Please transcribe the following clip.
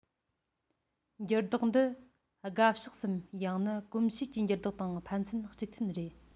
འགྱུར ལྡོག འདི དགའ ཕྱོགས སམ ཡང ན གོམས གཤིས ཀྱི འགྱུར ལྡོག དང ཕན ཚུན གཅིག མཐུན རེད